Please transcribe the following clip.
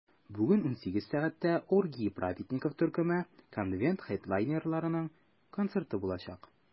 Бүген 18 сәгатьтә "Оргии праведников" төркеме - конвент хедлайнерларының концерты булачак.